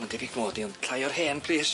Ma'n debyg mod i ond llai o'r hen plîs.